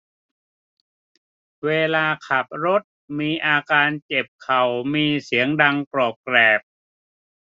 เวลาขับรถมีอาการเจ็บเข่ามีเสียงดังกรอบแกรบ